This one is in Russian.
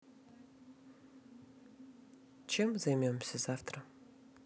чем займемся завтра